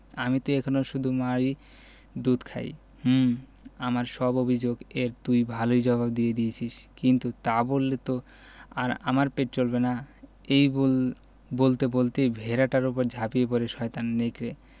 আমি ত এখনো শুধু মায়ের দুধ খাই হুম আমার সব অভিযোগ এর তুই ভালই জবাব দিয়ে দিয়েছিস কিন্তু তা বললে তো আর আমার পেট চলবে না এই বলতে বলতেই ভেড়াটার উপর ঝাঁপিয়ে পড়ে শয়তান নেকড়ে